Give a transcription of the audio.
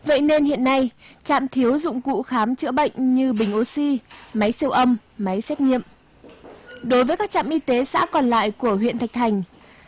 vậy nên hiện nay trạm thiếu dụng cụ khám chữa bệnh như bình ô xy máy siêu âm máy xét nghiệm đối với các trạm y tế xã còn lại của huyện thạch thành